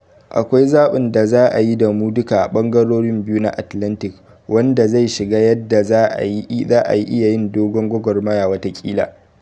Akwai zaɓin da za a yi da mu duka a bangarorin biyu na Atlantic wanda zai shafi yadda za a iya yin dogon gwagwarmaya wata kila.